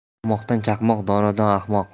ahmoqdan chaqmoq donodan ahmoq